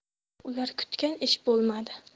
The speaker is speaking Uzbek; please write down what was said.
ular kutgan ish bo'lmadi